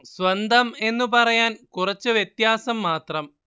സ്വന്തം എന്നു പറയാന്‍ കുറച്ച് വ്യത്യാസം മാത്രം